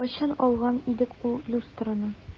Кайчан алган идек ул люстраны?